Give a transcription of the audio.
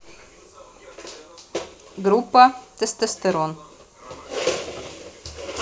группа тестостерон